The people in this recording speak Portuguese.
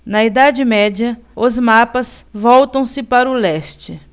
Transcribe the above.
na idade média os mapas voltam-se para o leste